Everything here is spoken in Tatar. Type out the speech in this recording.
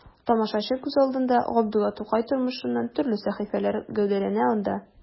Тамашачы күз алдында Габдулла Тукай тормышыннан төрле сәхифәләр гәүдәләнә анда.